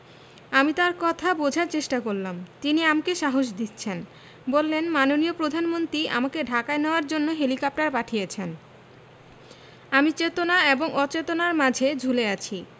আমি তার কথা বোঝার চেষ্টা করলাম তিনি আমাকে সাহস দিচ্ছেন বললেন মাননীয় প্রধানমন্তী আমাকে ঢাকায় নেওয়ার জন্য হেলিকাপ্টার পাঠিয়েছেন আমি চেতনা এবং অচেতনার মাঝে ঝুলে আছি